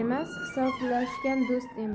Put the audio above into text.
emas hisoblashgan do'st emas